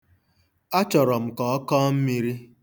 Achọrọ m ka ọ kọọ mmiri.